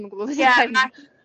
ddim yn gw'bod be dio chwaith.